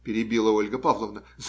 перебила Ольга Павловна,